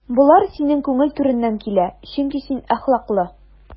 Болар синең күңел түреннән килә, чөнки син әхлаклы.